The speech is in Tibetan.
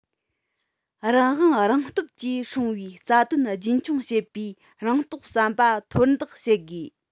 རང དབང རང སྟོབས ཀྱིས བསྲུང བའི རྩ དོན རྒྱུན འཁྱོངས བྱེད པའི རང རྟོགས བསམ པ མཐོར འདེགས བྱེད དགོས